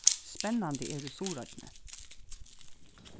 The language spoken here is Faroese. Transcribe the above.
spennandi er í suðuroynni